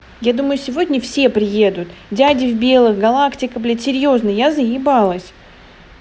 я думаю сегодня все приедут дяди в белых галактика блять серьезно я заебалась